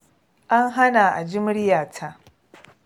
An hana a ji muryata.